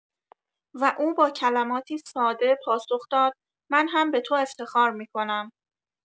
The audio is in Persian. و او با کلماتی ساده پاسخ داد: من هم به تو افتخار می‌کنم.